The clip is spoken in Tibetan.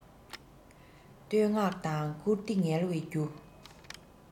བསྟོད བསྔགས དང བཀུར བསྟི ངལ བའི རྒྱུ